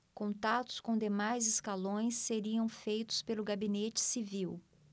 contatos com demais escalões seriam feitos pelo gabinete civil